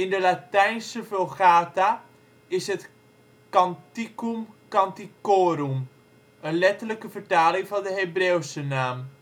de Latijnse Vulgata is het Canticum Canticorum, een letterlijke vertaling van de Hebreeuwse naam